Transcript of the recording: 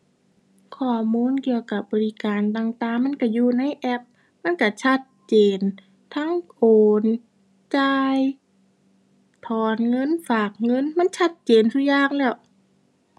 ข้อมูลเกี่ยวกับบริการต่างต่างมันก็อยู่ในแอป มันก็ชัดเจน ทั้งโอน จ่าย ถอนเงิน ฝากเงิน มันชัดเจนซุอย่างแล้ว